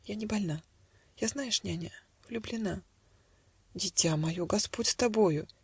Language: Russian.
- "Я не больна: Я. знаешь, няня. влюблена". - Дитя мое, господь с тобою!